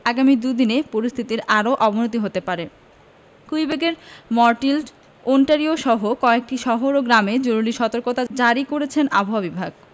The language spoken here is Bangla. আগামী দু'দিনে পরিস্থিতির আরও অবনতি হতে পারে কুইবেকের মর্টিল্ড ওন্টারিওসহ কয়েকটি শহর ও গ্রামে জরুলি সতর্কতা জারি করেছে আবহাওয়া বিভাগ